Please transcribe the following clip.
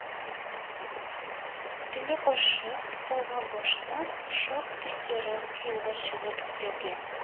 Төнгә каршы, салган баштан шактый ерак юлга чыгып китәргә